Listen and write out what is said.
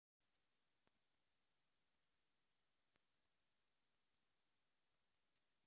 какие есть режимы лампы